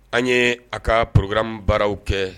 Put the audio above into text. An ye a ka pkra baaraw kɛ